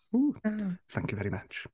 Ooh, thank you very much.